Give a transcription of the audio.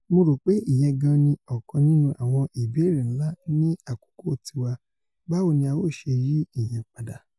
Mo ròpé ìyẹn gan-an ni ọ̀kan nínú àwọn ìbéèrè ńlá ní àkókò tiwa - báwo ni a ó ṣe yí ìyẹn padà?